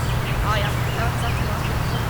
Ja, hjelp, jeg har ikke sett maken, altså.